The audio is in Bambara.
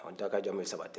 ɔ dakan jamu ye sabaatɛ